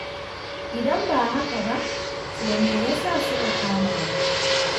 Idan ba haka ba, to me ya sa suka kama mu?